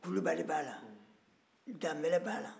kulubali b'a la danbɛlɛ b'a la